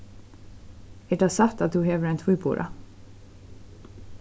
er tað satt at tú hevur ein tvíbura